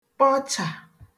kpọchà